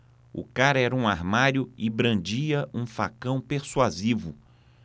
o cara era um armário e brandia um facão persuasivo